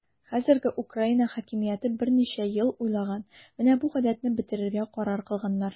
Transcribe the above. Хәзерге Украина хакимияте берничә ел уйлаган, менә бу гадәтне бетерергә карар кылганнар.